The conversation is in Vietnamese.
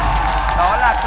là